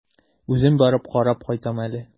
Үзем барып карап кайтам әле.